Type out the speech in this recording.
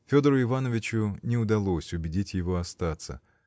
Федору Ивановичу не удалось убедить его остаться